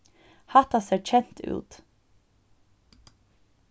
hatta sær kent út